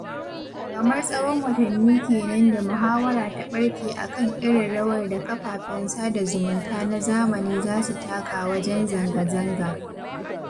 Kamar tsawon watanni ke nan da muhawara ta ɓarke a kan irin rawar da kafafen sada zumunta na zamani za su taka wajen zanga-zanga.